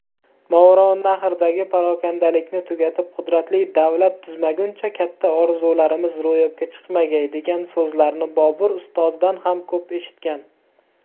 movarounnahrdagi parokandalikni tugatib qudratli davlat tuzmaguncha katta orzularimiz ro'yobga chiqmagay degan so'zlarni bobur ustozidan ham ko'p eshitgan